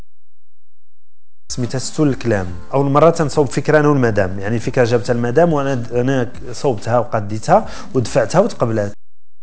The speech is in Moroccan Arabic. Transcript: متاسف الكلام اول مره اسوي فكره انا والمدام يعني فيها شبه المدام و انا صورتها فقدتها ودفعتها وتقبل